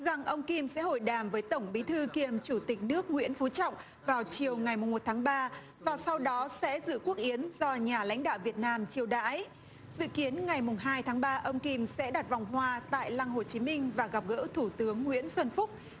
rằng ông kim sẽ hội đàm với tổng bí thư kiêm chủ tịch nước nguyễn phú trọng vào chiều ngày mùng một tháng ba và sau đó sẽ dự quốc yến do nhà lãnh đạo việt nam chiêu đãi dự kiến ngày mùng hai tháng ba ông kim sẽ đặt vòng hoa tại lăng hồ chí minh và gặp gỡ thủ tướng nguyễn xuân phúc